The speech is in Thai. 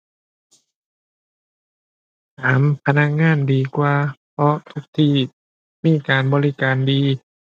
ถามพนักงานดีกว่าเพราะทุกที่มีการบริการดี